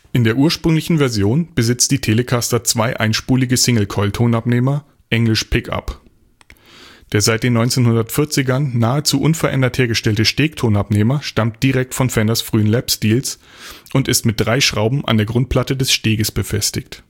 In der ursprünglichen Version besitzt die Telecaster zwei einspulige Single-Coil-Tonabnehmer (engl.: pickup). Der seit den 1940ern nahezu unverändert hergestellte Stegtonabnehmer stammt direkt von Fenders frühen Lapsteels und ist mit drei Schrauben an der Grundplatte des Steges befestigt